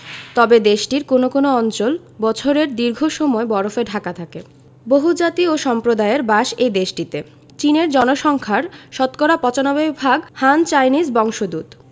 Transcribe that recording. তবে দেশটির কোনো কোনো অঞ্চল বছরের দীর্ঘ সময় বরফে ঢাকা থাকে বহুজাতি ও সম্প্রদায়ের বাস এ দেশটিতে চীনের জনসংখ্যা শতকরা ৯৫ ভাগ হান চাইনিজ বংশোদূত